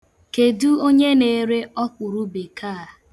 Kedu omye na-ere ọkwụrụbekee a?